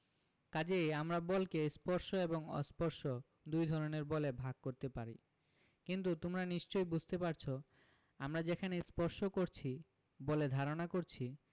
কাজেই আমরা বলকে স্পর্শ এবং অস্পর্শ দুই ধরনের বলে ভাগ করতে পারি কিন্তু তোমরা নিশ্চয়ই বুঝতে পারছ আমরা যেখানে স্পর্শ করছি বলে ধারণা করছি